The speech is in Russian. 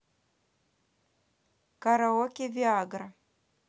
караоке виагра